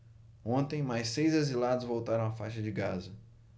ontem mais seis exilados voltaram à faixa de gaza